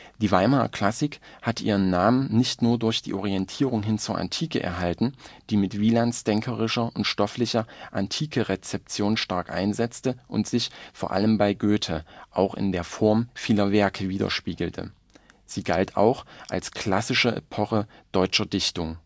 Die Weimarer Klassik hat ihren Namen nicht nur durch die Orientierung hin zur Antike erhalten, die mit Wielands denkerischer und stofflicher Antikerezeption stark einsetzte und sich - vor allem bei Goethe - auch in der Form vieler Werke widerspiegelt. Sie galt auch als " klassische " Epoche deutscher Dichtung